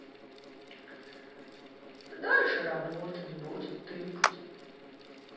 дальше работа не будет тыкать